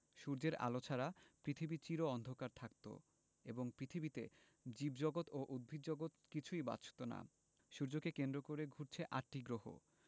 সূর্যের আলো ছাড়া পৃথিবী চির অন্ধকার থাকত এবং পৃথিবীতে জীবজগত ও উদ্ভিদজগৎ কিছুই বাঁচত না সূর্যকে কেন্দ্র করে ঘুরছে আটটি গ্রহ